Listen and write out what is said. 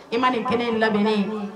I ma nin kelen labɛnnen ye